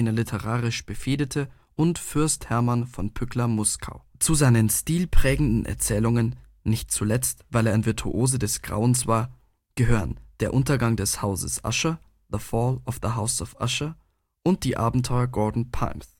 literarisch befehdete) und Fürst Hermann von Pückler-Muskau. Zu seinen stilprägenden Erzählungen – nicht zuletzt, weil er ein Virtuose des Grauens war – gehören Der Untergang des Hauses Usher (The Fall of the House of Usher) und Die Abenteuer Gordon Pyms